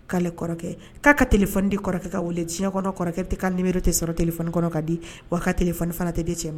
K'ale kɔrɔkɛ k'a ka tdi kɔrɔkɛ ka wuliɲɛ kɔnɔ kɔrɔkɛ tɛ ka nibrete sɔrɔ tele kɔnɔ ka di wa ka telefana tɛ di cɛ ma